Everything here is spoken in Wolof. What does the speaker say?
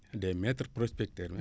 des maîtres prospecteurs même